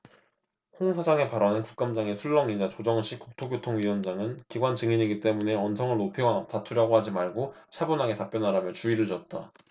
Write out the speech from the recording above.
홍 사장의 발언에 국감장이 술렁이자 조정식 국토교토위원장은 기관 증인이기 때문에 언성을 높이거나 다투려고 하지 말고 차분하게 답변하라며 주의를 줬다